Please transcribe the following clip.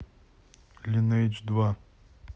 линейдж два